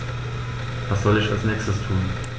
Was soll ich als Nächstes tun?